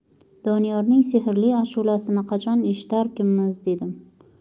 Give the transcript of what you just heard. doniyorning sehrli ashulasini qachon eshitarkinmiz dedim